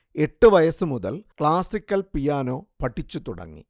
എട്ട് വയസ് മുതൽ ക്ലാസിക്കൽ പിയാനോ പഠിച്ച് തുടങ്ങി